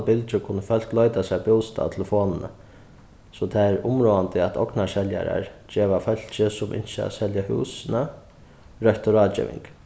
bylgju kunnu fólk leita sær bústað á telefonini so tað er umráðandi at ognarseljarar geva fólki sum ynskja at selja húsini røttu ráðgeving